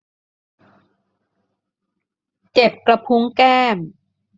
เจ็บกระพุ้งแก้ม